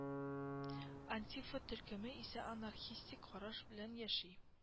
Антифа төркеме исә анархистик караш белән яши